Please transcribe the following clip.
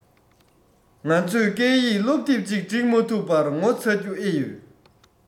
ང ཚོས སྐད ཡིག སློབ དེབ ཅིག སྒྲིག མ ཐུབ པར ངོ ཚ རྒྱུ ཨེ ཡོད